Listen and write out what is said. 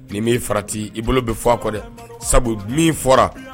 Ni m'i farati i bolo be fɔ a kɔ dɛ sabu min fɔra